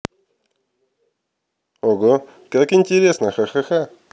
ого как интересно ха ха ха